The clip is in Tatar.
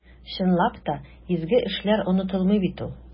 Чынлап та, изге эшләр онытылмый бит ул.